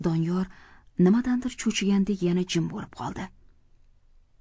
doniyor nimadandir cho'chigandek yana jim bo'lib qoldi